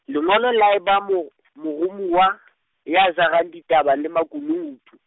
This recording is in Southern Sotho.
lengolo ya eba mo- , morumuwa , ya jarang ditaba le makunutu.